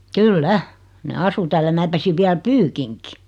kyllä ne asui täällä ja minä pesin vielä pyykinkin